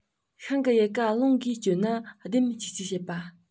ཤིང གི ཡལ ག རླུང གིས བསྐྱོད ནས ལྡེམ ལྕུག ལྕུག བྱེད པ